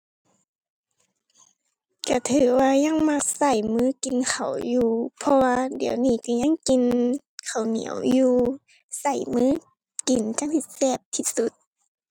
ก็ถือว่ายังมักก็มือกินข้าวอยู่ เพราะว่าเดี๋ยวนี้ก็ยังกินข้าวเหนียวอยู่ ก็มือกินจั่งสิแซ่บที่สุด